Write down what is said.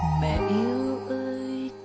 mẹ yêu ơi